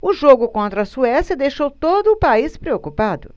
o jogo contra a suécia deixou todo o país preocupado